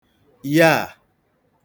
yaà